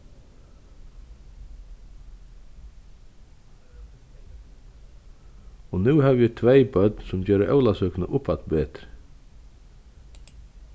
og nú havi eg tvey børn sum gera ólavsøkuna uppaftur betri